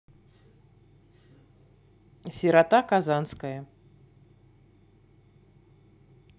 сирота казанская